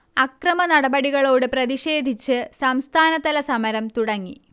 അക്രമനടപടികളോട് പ്രതിഷേധിച്ച് സംസ്ഥാനതല സമരം തുടങ്ങി